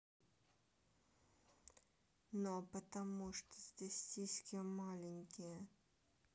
ну а потому что здесь сиськи маленькие